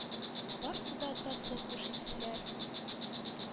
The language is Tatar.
Барсы да татлы хуш ислеләр.